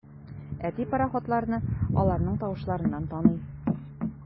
Әти пароходларны аларның тавышларыннан таный.